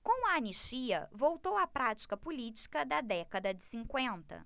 com a anistia voltou a prática política da década de cinquenta